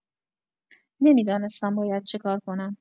نمی‌دانستم باید چکار کنم.